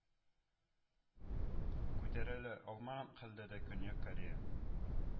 Күтәрелә алмаган хәлдә дә, көньяк корея